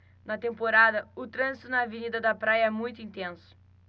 na temporada o trânsito na avenida da praia é muito intenso